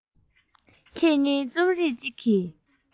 དེ ནི ཁྱོད ཉིད རྩོམ རིག གི